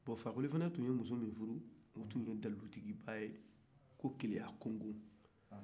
bon fakoli fana tun ye muso min furu o tun ye talu tigi ba ye ko keleyakungo